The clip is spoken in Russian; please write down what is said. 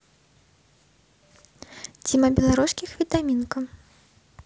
тима белорусских витаминка